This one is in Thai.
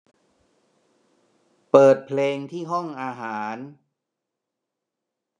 เปิดเพลงที่ห้องอาหาร